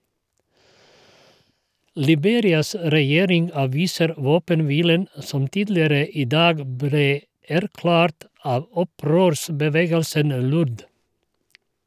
Liberias regjering avviser våpenhvilen som tidligere i dag ble erklært av opprørsbevegelsen LURD.